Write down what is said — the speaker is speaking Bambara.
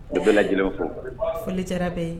K'aw bɛɛ lajɛlen fo foli diyara bɛɛ ye